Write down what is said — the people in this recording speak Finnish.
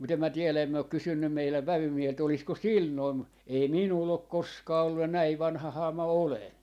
mutta en minä tiedä en minä ole kysynyt meidän vävymieheltä olisiko sillä noin - ei minulla ole koskaan ollut ja näin vanhahan minä olen